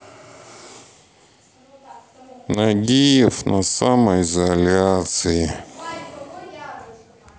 нагиев на самоизоляции